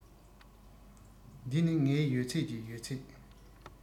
འདི ནི ངའི ཡོད ཚད ཀྱི ཡོད ཚད